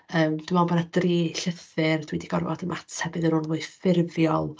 Yym dwi'n meddwl bod 'na dri llythyr dwi 'di gorfod ymateb iddyn nhw'n fwy ffurfiol.